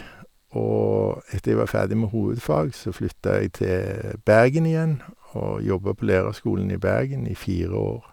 Og etter jeg var ferdig med hovedfag, så flytta jeg til Bergen igjen og jobba på Lærerskolen i Bergen i fire år.